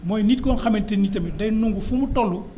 mooy nit ku nga xamante ni tamit day ngangu fu mu toll